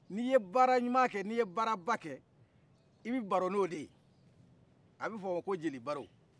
ni ye baara ɲumakɛ ni ye baaraba kɛ i bɛ baro n'ode ye a bɛ f'o ma ko jeli baro